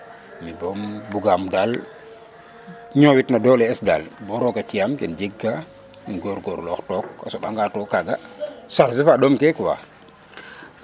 mi bom bugam daal ñowit no dole es daal bo roga ci am ken jeg ka um goor goor loox tok a soɓa nga to kaga charge fa ndom ke quoi